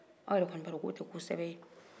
aw yɛrɛ kɔni b'a dɔn k'o tɛ ko sɛbɛ ye